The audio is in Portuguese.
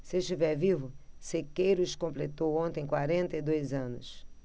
se estiver vivo sequeiros completou ontem quarenta e dois anos